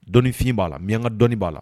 Dɔnfin b'a la miyanka dɔnni b'a la